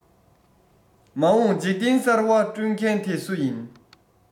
མ འོངས འཇིག རྟེན གསར བ བསྐྲུན མཁན དེ སུ ཡིན